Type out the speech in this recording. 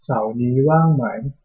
เสาร์นี้ว่างไหม